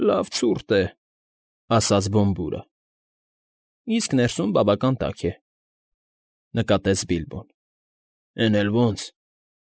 Լավ ցուրտ է,֊ ասաց Բոմբուրը։ ֊ Իսկ ներսում բավական տաք է,֊ նկատեց Բիլբոն։ ֊ Էն էլ ո՜նց։